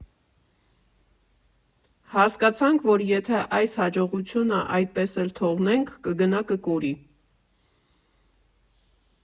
«Հասկացանք, որ եթե այս հաջողությունը այդպես էլ թողնենք՝ կգնա կկորի։